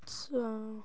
Do...